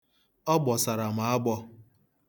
Ọ gbọsara m agbọ.